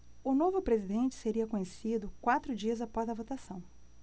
o novo presidente seria conhecido quatro dias após a votação